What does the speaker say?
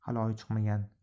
hali oy chiqmagan